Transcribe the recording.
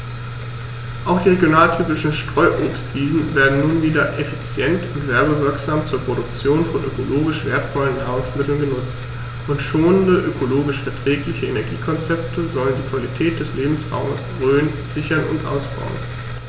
Auch die regionaltypischen Streuobstwiesen werden nun wieder effizient und werbewirksam zur Produktion von ökologisch wertvollen Nahrungsmitteln genutzt, und schonende, ökologisch verträgliche Energiekonzepte sollen die Qualität des Lebensraumes Rhön sichern und ausbauen.